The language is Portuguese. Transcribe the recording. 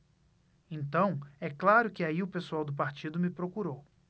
então é claro que aí o pessoal do partido me procurou